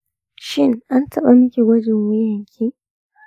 shin an taba miki gwajin wuyanki?